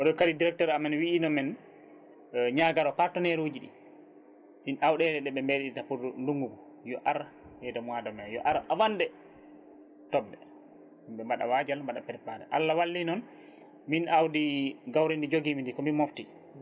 ɗo kadi directeur amen winomen ñagoro partenaire uji ɗi ɗin awɗele ɗeɓe mabrirta pour ndgngu ngu yo ar ɓeyda mois de mais yo ar avant nde toobde yimɓe mbaɗa wadial mbaɗa préparé Allah walli noon min awdi gawri ndi joguimi ndi komin mofti